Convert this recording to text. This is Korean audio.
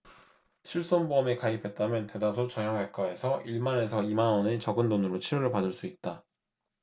실손보험에 가입했다면 대다수 정형외과에서 일 만 에서 이 만원의 적은 돈으로 치료를 받을 수 있다